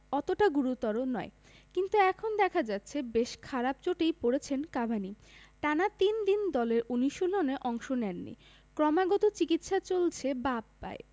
অতটা গুরুতর নয় কিন্তু এখন দেখা যাচ্ছে বেশ খারাপ চোটেই পড়েছেন কাভানি টানা তিন দিন দলের অনুশীলনে অংশ নেননি ক্রমাগত চিকিৎসা চলছে বাঁ পায়ে